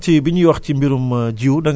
vraiment bokkul ci suñu compé